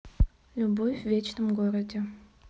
любовь в вечном городе